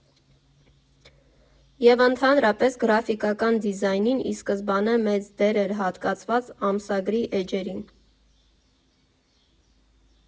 Եվ ընդհանրապես՝ գրաֆիկական դիզայնին ի սկզբանե մեծ դեր էր հատկացված ամսագրի էջերին։